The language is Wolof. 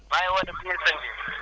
maa ngi wootee Koungheul santhie